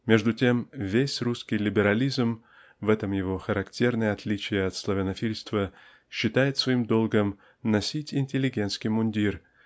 Между тем весь русский либерализм -- в этом его характерное отличие от славянофильства -- считает своим долгом носить интеллигентский мундир